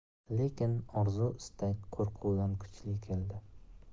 lekin orzu istak qo'rquvdan kuchli keldi